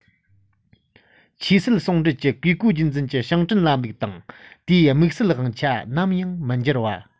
ཆོས སྲིད ཟུང འབྲེལ གྱི བཀས བཀོད རྒྱུད འཛིན གྱི ཞིང བྲན ལམ ལུགས དང དེའི དམིགས བསལ དབང ཆ ནམ ཡང མི འགྱུར བ